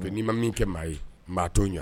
N'i ma min kɛ maa ye n maa t'o ɲɛ